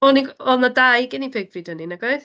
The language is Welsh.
Oedd ni c- oedd 'na dau Guinea pig pryd hynny, nag oedd?